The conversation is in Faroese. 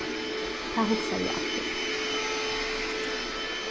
tað hugsaði eg altíð